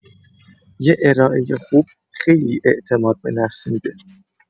یه ارائه خوب خیلی اعتماد به نفس می‌ده